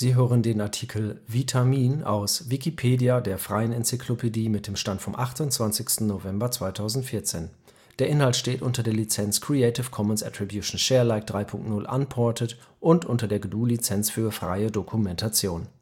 hören den Artikel Vitamin, aus Wikipedia, der freien Enzyklopädie. Mit dem Stand vom Der Inhalt steht unter der Lizenz Creative Commons Attribution Share Alike 3 Punkt 0 Unported und unter der GNU Lizenz für freie Dokumentation